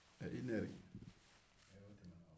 e i nɛri